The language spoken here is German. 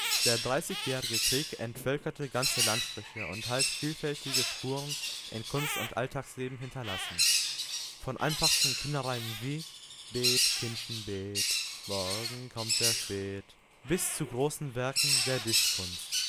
Der Dreißigjährige Krieg entvölkerte ganze Landstriche und hat vielfältige Spuren in Kunst und Alltagsleben hinterlassen – von einfachen Kinderreimen wie Bet’, Kindchen, bet’, morgen kommt der Schwed’ bis zu großen Werken der Dichtkunst